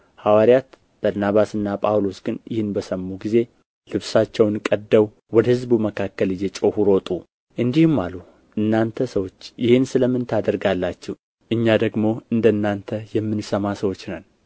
ሐዋርያት በርናባስና ጳውሎስ ግን ይህን በሰሙ ጊዜ ልብሳቸውን ቀደው ወደ ሕዝቡ መካከል እየጮኹ ሮጡ እንዲህም አሉ እናንተ ሰዎች ይህን ስለ ምን ታደርጋላችሁ እኛ ደግሞ እንደ እናንተ የምንሰማ ሰዎች ነን